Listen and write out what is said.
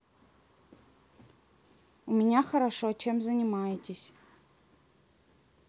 у меня хорошо чем занимаетесь